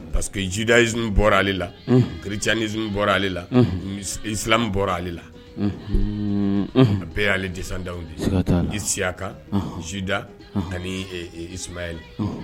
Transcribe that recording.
Parce que, Judaisme _ bɔra ale la, unhun, , chrestianisme bɔra ale la, islam bɔra ale la, unhunn, unhun,,a bɛɛ y'ale descendants de ye, siga t'a la, Isiaka, Juda ani Ismaaila.